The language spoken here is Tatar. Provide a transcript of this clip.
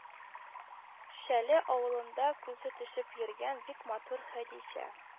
Шәле авылында күзе төшеп йөргән бик матур Хәдичә